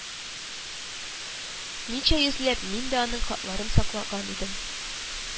Ничә йөзләп), мин дә аның хатларын саклаган идем